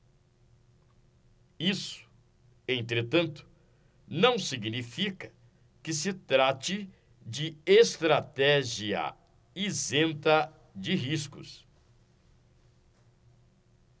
isso entretanto não significa que se trate de estratégia isenta de riscos